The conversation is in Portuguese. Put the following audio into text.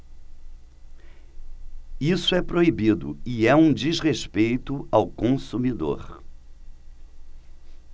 isso é proibido e é um desrespeito ao consumidor